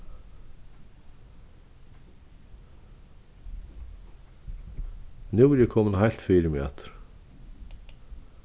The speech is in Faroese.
nú eri eg komin heilt fyri meg aftur